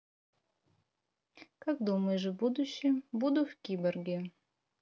как думаешь в будущем буду в киборге